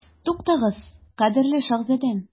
Туктагыз, кадерле шаһзадәм.